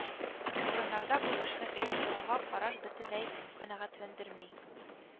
Урыннарда бу эшне оештыруга караш бөтенләй канәгатьләндерми